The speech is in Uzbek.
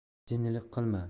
jinnilik qilma